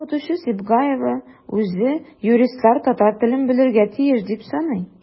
Укытучы Сибгаева үзе юристлар татар телен белергә тиеш дип саный.